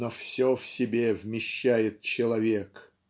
Но все в себе вмещает человек